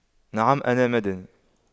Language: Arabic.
نعم انا مدني